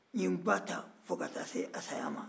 n ye nba ta fo ka ta'a se a ka saya ma